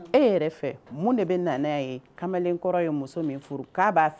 E yɛrɛ fɛ mun de bɛ na ye kamalen kɔrɔ ye muso min furu k'a b'a